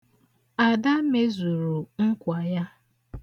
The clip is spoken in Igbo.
Ada mezuru nkwa ya.